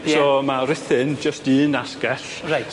Ie. So ma' Ruthun jyst un asgell. Reit.